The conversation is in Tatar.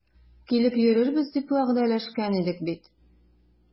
Килеп йөрербез дип вәгъдәләшкән идек бит.